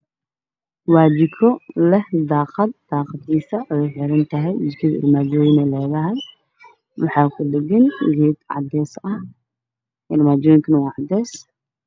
Waa jiko leh daaqad oo xiran, jikadu armaajooyin ayay leedahay waxaa kudhagan geed cadeys ah, armaajooyinku waa cadeys.